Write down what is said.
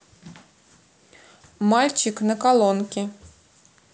мальчик на колонке